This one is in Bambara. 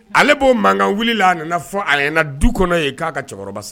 Ale b'o mankan wulila la a nana fɔ alena du kɔnɔ yen k'a ka cɛkɔrɔba sa